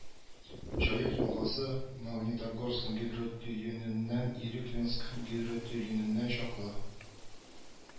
Җаек елгасы, Магнитогорск гидротөененнән Ириклинск гидротөененә чаклы